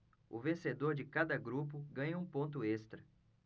o vencedor de cada grupo ganha um ponto extra